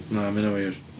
Na, mae hynna'n wir.